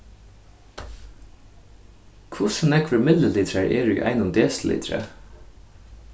hvussu nógvir millilitrar eru í einum desilitri